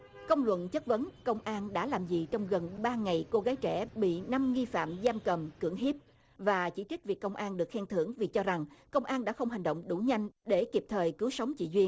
công luận chất vấn công an đã làm gì trong gần ba ngày cô gái trẻ bị năm nghi phạm giam cầm cưỡng hiếp và chỉ trích vì công an được khen thưởng vì cho rằng công an đã không hành động đủ nhanh để kịp thời cứu sống chị duyên